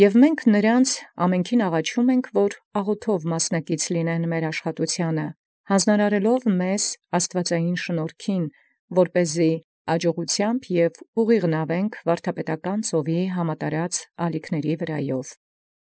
Զորս և մեր համաւրէն աղաչեալ երկախառնել ընդ մեզ աղաւթիւնք՝ յանձնարարութեամբ աստուածեղէն շնորհացն, զի կամակարագոյնս և ուղղագոյնս նաւիցեմք զհամատարած ալեաւքն վարդապետական ծովուն։